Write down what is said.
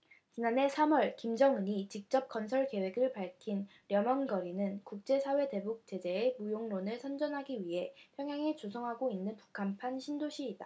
지난해 삼 월 김정은이 직접 건설 계획을 밝힌 려명거리는 국제사회 대북 제재의 무용론을 선전하기 위해 평양에 조성하고 있는 북한판 신도시다